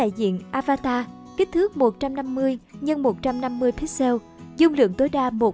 ảnh đại diện kích thước x pixcel dung lượng tối đa mb